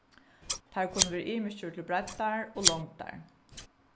teir kunnu vera ymiskir til breiddar og longdar